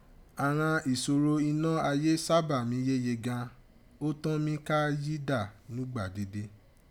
àghan ìsòro inọ́ ayé sábà mí yéye gan an, ó tọ́n mí ka yí dà nùgbà dede.